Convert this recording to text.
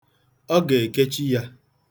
Ọ ga-ekechi ya.